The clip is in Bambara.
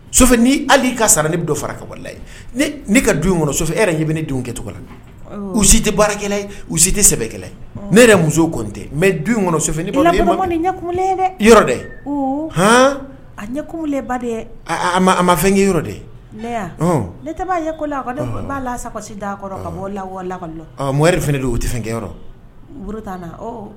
So ni ka sara ne don fara kala ne ka du in kɔnɔ so e yɛrɛ ye bɛ ne denw kɛ cogo la u si tɛ baara u si tɛ sɛbɛ ne yɛrɛ muso tɛ mɛ in kɔnɔ dɛ dɛ hɔn a ɲɛ ba a ma fɛnkɛ yɔrɔ ne b'a sa ka la yɛrɛ don o tɛkɛ t'